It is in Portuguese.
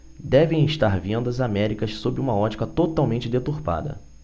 devem estar vendo as américas sob uma ótica totalmente deturpada